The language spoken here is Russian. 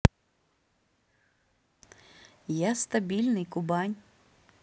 я стабильный кубань